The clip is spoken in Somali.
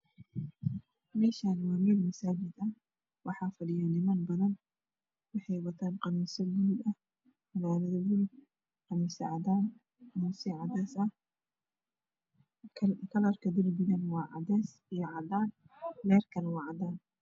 Meeshaani waa meel masaajid ah waxa fadhiyo niman badan waxay wataan qamiisyo buluug ah fananado buluug qamiisyo cadaan qamiisyo cadeys ah kalarka darbigana waa cadays iyo cadaan leerkana waa cadaan